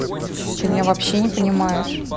ты меня вообще не понимаешь